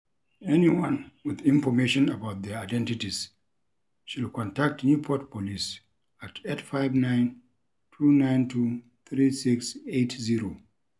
Anyone with information about their identities should contact Newport police at 859-292-3680.